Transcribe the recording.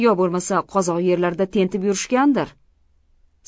yo bo'lmasa qozoq yerlarida tentib yurishgandir